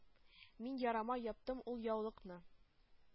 Мин ярама яптым ул яулыкны